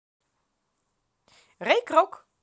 рэй крок